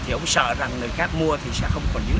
thì ông sợ rằng người khác mua thì sẽ không còn